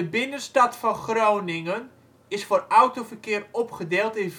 binnenstad van Groningen is voor autoverkeer opgedeeld in